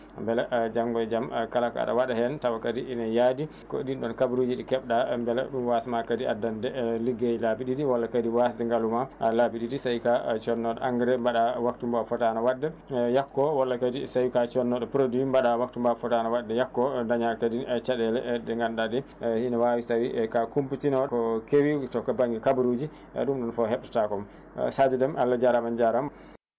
beele janŋgo e jaam kala kaɗa waɗa heen taw kadi ine haadi e koye ɗin ɗon kabaruji ɗi kebɗa beela ɗum wasma kadi addande liggey laabi ɗiɗi walla kadi wasde ngal woon ha laabi ɗiɗi so tawi ka connoɗo engrais mbaɗa waftu mo a fotano wadde yakko walla kadi so tawi ka connoɗo produit mbaɗa waftu ma fotano wadde yakko daaña kadi caɗale ɗe gannduɗa ɗe ina wawi so tawi ka kumpitinoɗo ko kewi to banŋnge kabaruji ɗum ɗon foof hebtotakoma Sadio Déme Allah jarama en jarama